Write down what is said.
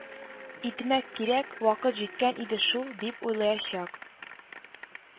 Итмәк кирәк, вакыт җиткән иде шул» дип уйлаячак